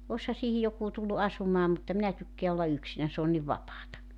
olisihan siihen joku tullut asumaan mutta minä tykkään olla yksinäni se on niin vapaata